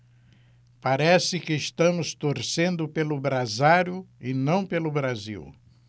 parece que estamos torcendo pelo brasário e não pelo brasil